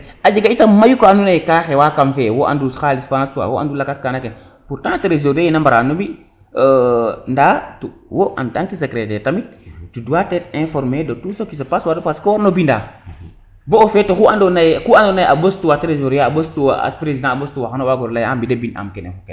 a jega itam mayu ka ando naye ka xewa kam fe wo andu xalis wo andu lakas kana pourtant tresorier yin a mbara no mbi nda wo en tant secretaire tu doit etre informer de tout se qui se passe parce que ko warno mbinda bo o feet ku and naye a ɓostuwa a president a ɓostuwa xano wago leye mi de mbin am kene fo kene